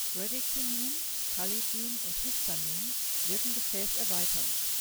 Bradykinin, Kallidin und Histamin wirken gefäßerweiternd